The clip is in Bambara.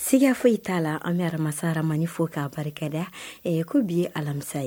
S fɔ i t'a la an bɛ haramasaramani fo k'a barikada ɛ ko bi ye alamisa ye